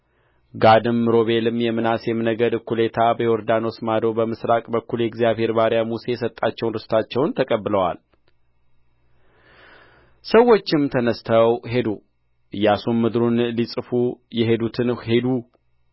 ጋድም ሮቤልም የምናሴም ነገድ እኩሌታ በዮርዳኖስ ማዶ በምሥራቅ በኩል የእግዚአብሔር ባሪያ ሙሴ የሰጣቸውን ርስታቸውን ተቀብለዋል ሰዎችም ተነሥተው ሄዱ ኢያሱም ምድሩን ሊጽፉ የሄዱትን ሂዱ